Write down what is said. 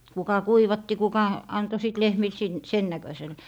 kuka kuivatti kuka antoi sitten lehmille - sen näköiselle